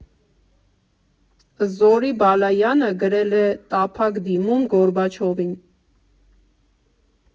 Զորի Բալայանը գրել է տափակ դիմում Գորբաչովին։